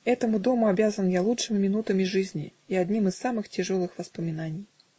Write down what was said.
Этому дому обязан я лучшими минутами жизни и одним из самых тяжелых воспоминаний.